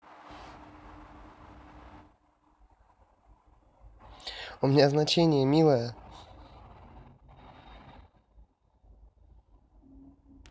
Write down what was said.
у меня значение милая